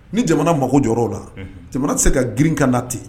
Ni jamana mago jɔyɔrɔ o la jamana tɛ se ka girin ka na ten!